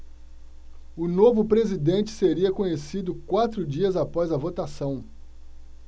o novo presidente seria conhecido quatro dias após a votação